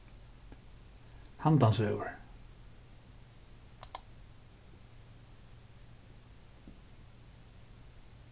handansvegur